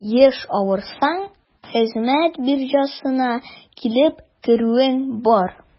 Еш авырсаң, хезмәт биржасына килеп керүең бар.